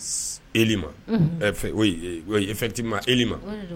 Eli ma , e oui, effectvement; Eli ma, o de don.